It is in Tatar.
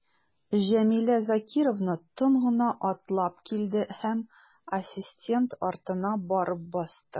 Җәмилә Закировна тын гына атлап килде һәм ассистент артына барып басты.